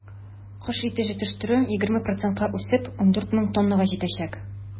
Кош ите җитештерү, 20 процентка үсеп, 14 мең тоннага җитәчәк.